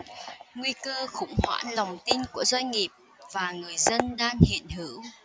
nguy cơ khủng hoảng lòng tin của doanh nghiệp và người dân đang hiện hữu